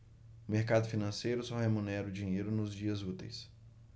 o mercado financeiro só remunera o dinheiro nos dias úteis